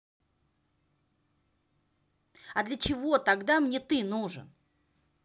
а для чего тогда мне ты нужен